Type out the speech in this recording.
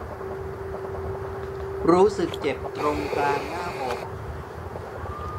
รู้สึกเจ็บตรงกลางหน้าอก